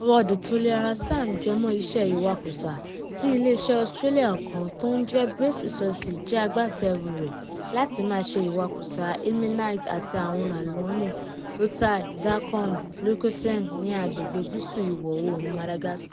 Ọ̀rọ̀ The Toliara Sand jẹmọ́ iṣẹ́ ìwakùsà tí iléeṣé Australia kan tó ń jẹ́ Base Resources jẹ́ agbáterù rẹ̀ láti máa ṣe ìwakùsà ilmenite àti àwọn ohun àlùmọ́nì(rutile, zircon and leucoxene) ní agbègbè gúsù ìwọ̀-oòrùn Madagascar.